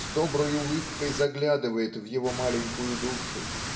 с доброй улыбкой заглядывает в его маленькую душу.